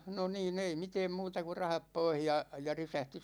no niin ei mitään muuta kuin rahat pois ja ja resepti